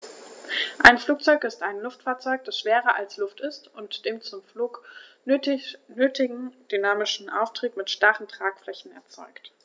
Ein Flugzeug ist ein Luftfahrzeug, das schwerer als Luft ist und den zum Flug nötigen dynamischen Auftrieb mit starren Tragflächen erzeugt.